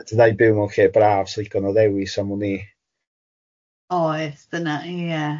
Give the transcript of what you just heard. A ti dau'n byw mewn lle braf sy'n digon o ddewis am wn i. Oes dyna, ia.